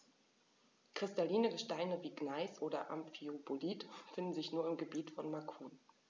Kristalline Gesteine wie Gneis oder Amphibolit finden sich nur im Gebiet von Macun.